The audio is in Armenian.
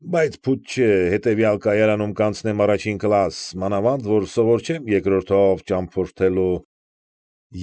Բայց փույթ չէ, հետևյալ կայարանում կանցնեմ առաջին կլաս, մանավանդ որ սովոր չեմ երկրորդով ճամփորդելու։